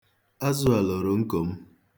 Azụ a loro nko m.